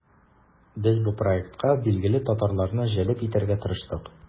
Без бу проектка билгеле татарларны җәлеп итәргә тырыштык.